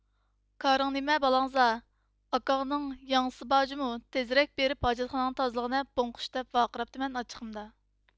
كارىڭ نېمە بالاڭزا ئاكاڭنىڭ ياڭزىسى بار جۇمۇ تېزرەك بېرىپ ھاجەتخانەڭنى تازىلىغىنا بوڭقۇش دەپ ۋارقىراپتىمەن ئاچچىقىمدا